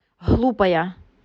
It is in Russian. глупая